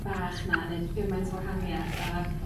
bach 'na'n neud gymaint o wahanieth a